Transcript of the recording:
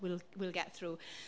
We'll... We'll get through.